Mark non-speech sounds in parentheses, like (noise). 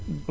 (hesitation)